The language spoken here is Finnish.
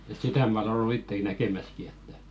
joo että että sitä minä olen ollut itsekin näkemässäkin että